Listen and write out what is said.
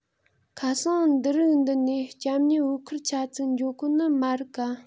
ཁ སང འདི རིགས འདི ནས སྐྱ མྱི བོའུ ཁུར ཆ ཚིག འགྱོ གོ ནི མ རིག ག